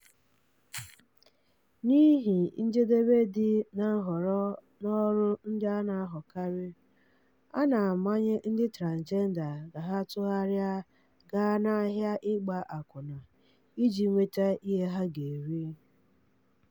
N'ihi njedebe dị na nhọrọ n'ọrụ ndị a na-ahụkarị, a na-amanye ndị transịjenda ka ha tụgharịa gaa n'ahịa ịgba akwụna iji nweta ihe ha ga-eri.